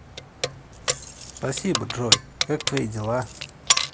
спасибо джой как твои дела